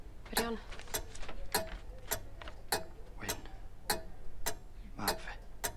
Pwy 'di 'wn? Wyn. Mab fi.